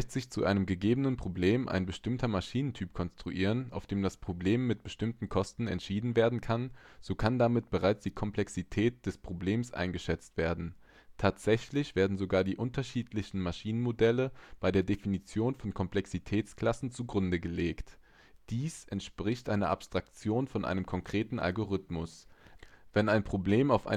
sich zu einem gegebenen Problem ein bestimmter Maschinentyp konstruieren, auf dem das Problem mit bestimmten Kosten entschieden werden kann, so kann damit bereits die Komplexität des Problems eingeschätzt werden. Tatsächlich werden sogar die unterschiedlichen Maschinenmodelle bei der Definition von Komplexitätsklassen zugrundegelegt. Dies entspricht einer Abstraktion von einem konkreten Algorithmus: Wenn ein Problem auf